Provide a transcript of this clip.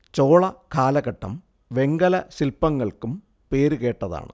ചോള കാലഘട്ടം വെങ്കല ശില്പങ്ങൾക്കും പേരുകേട്ടതാണ്